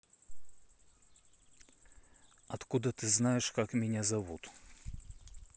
откуда ты знаешь как меня зовут